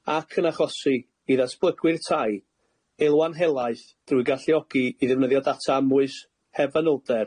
ac yn achosi i ddatblygwyr tai elwa'n helaeth drwy galluogi i ddefnyddio data amwys heb fanylder